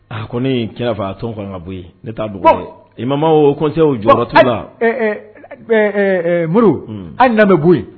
A ko ne kɛra fɔ tɔn ka bɔ ye ne t' dugawu i mama ose jɔ tu la muru hali lamɛn bɛ bɔ